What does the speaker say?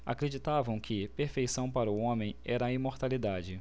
acreditavam que perfeição para o homem era a imortalidade